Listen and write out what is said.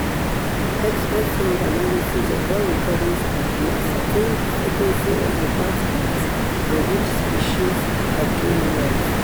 Expert sound analysis of all recordings will ascertain the frequency of the bat calls and which species are doing what.